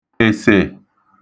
èsè